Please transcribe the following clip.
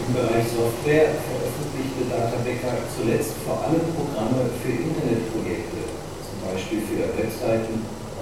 Bereich Software veröffentlichte Data Becker zuletzt vor allem Programme für Internetprojekte (Webseiten, Onlineshop